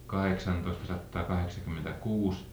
kahdeksantoistasataa kahdeksankymmentäkuusi